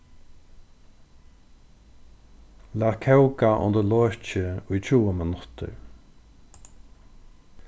lat kóka undir loki í tjúgu minuttir